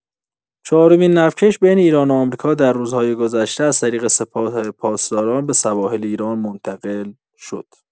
چهارمین نفتکش بین ایران و آمریکا در روزهای گذشته از طریق سپاه پاسداران به سواحل ایران منتقل شد.